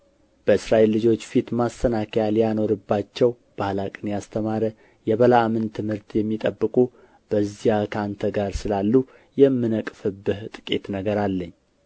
በእስራኤል ልጆች ፊት ማሰናከያን ሊያኖርባቸው ባላቅን ያስተማረ የበልዓምን ትምህርት የሚጠብቁ በዚያ ከአንተ ጋር ስላሉ የምነቅፍብህ ጥቂት ነገር አለኝ